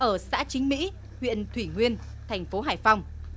ở xã chính mỹ huyện thủy nguyên thành phố hải phòng